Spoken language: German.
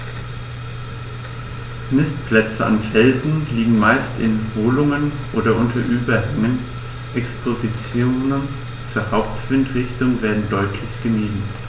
Nistplätze an Felsen liegen meist in Höhlungen oder unter Überhängen, Expositionen zur Hauptwindrichtung werden deutlich gemieden.